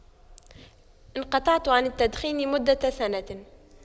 انقطعت عن التدخين مدة سنة